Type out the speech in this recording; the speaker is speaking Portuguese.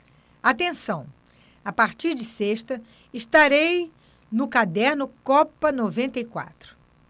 atenção a partir de sexta estarei no caderno copa noventa e quatro